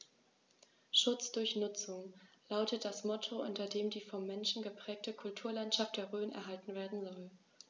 „Schutz durch Nutzung“ lautet das Motto, unter dem die vom Menschen geprägte Kulturlandschaft der Rhön erhalten werden soll.